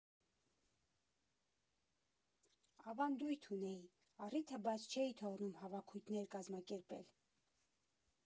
Ավանդույթ ունեի, առիթը բաց չէի թողնում հավաքույթներ կազմակերպել։